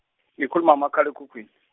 ngikhuluma ngomakhalekhukhwini.